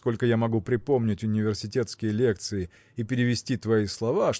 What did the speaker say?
сколько я могу припомнить университетские лекции и перевести твои слова